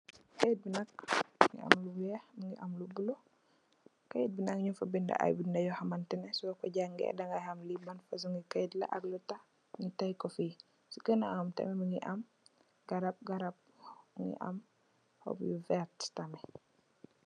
Kayit bi nak mu ngi am lu weex, am lu bulo. Kayit bi nak ñuñg fa bindë bindë yoo xam ne soo ko jangee dangaa xam ban fasoñgi kayit la ak lutax ñu Tay ko fa. Si ganaawam tam mu ngi am garab, garab bu werta.